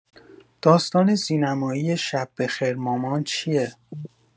داستان سینمایی شب‌بخیر مامان چیه؟